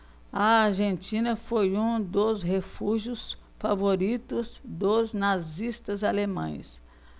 a argentina foi um dos refúgios favoritos dos nazistas alemães